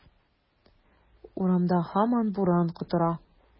Урамда һаман буран котыра.